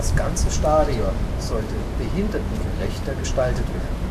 ganze Stadion sollte behindertengerechter gestaltet werden